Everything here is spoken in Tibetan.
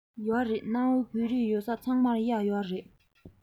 ཡོད རེད གནའ བོའི བོད རིགས ཡོད ས ཚང མར གཡག ཡོད རེད